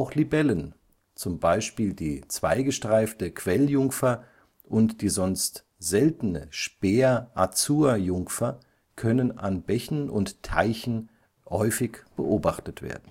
Libellen, z. B. die Zweigestreifte Quelljungfer und die sonst seltene Speer-Azurjungfer können an Bächen und Teichen häufig beobachtet werden